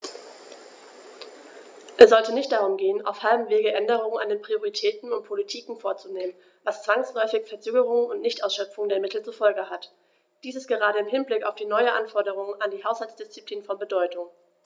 Es sollte nicht darum gehen, auf halbem Wege Änderungen an den Prioritäten und Politiken vorzunehmen, was zwangsläufig Verzögerungen und Nichtausschöpfung der Mittel zur Folge hat. Dies ist gerade im Hinblick auf die neuen Anforderungen an die Haushaltsdisziplin von Bedeutung.